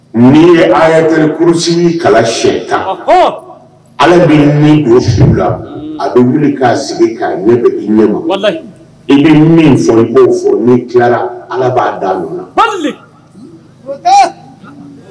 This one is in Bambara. Ni'i ye a ye to kurusi kala sɛyɛn kan ala bɛ min' su la a bɛ wuli k'a sigi k'a ɲɛ i ɲɛ ma i bɛ min fɔbaw fɔ n tilara ala b'a da na